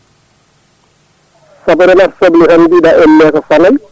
saabu remata soble hen mbiɗa elle ko fanay